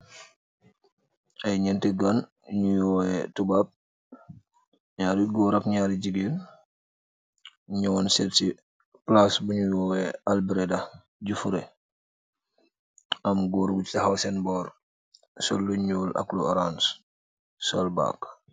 Ayy neeti gann nyu yu woweh toubab naari goor ak naari jigeen nyu wonn seti palac bu nyu woweh albreda jufureh aam goor bu taxaw sen bor sol lu nuul ak orance sol bag.